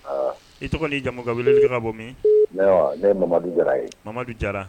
Aa i tɔgɔ'i jamu ka wele i ka ka bɔ min ne ye ma jara ye madu jara